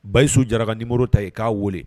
Bayisu Jara ka numéro ta, i k'a wele.